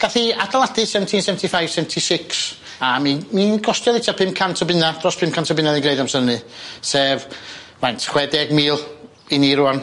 Gathi adeiladu seventeen seventy five seventy six a mi... mi'n gostio hi tua pum cant o bunna dros pum cant o bunna i'w gneud amser hynny sef faint chwe deg mil i ni rŵan.